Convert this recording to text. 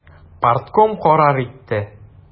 Партком карар итте.